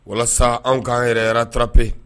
Walasa an k'an yɛrɛ t pe